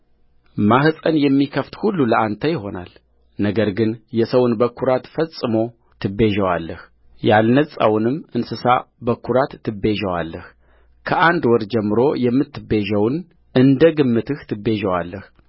ማኅፀን የሚከፍት ሁሉ ለአንተ ይሆናል ነገር ግን የሰውን በኵራት ፈጽሞ ትቤዠዋለህ ያልነጻውንም እንስሳ በኵራት ትቤዠዋለህከአንድ ወር ጀምሮ የምትቤዠውን እንደ ግምትህ ትቤዠዋለህ